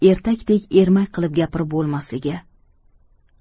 ertakdek ermak qilib gapirib bo'lmasligi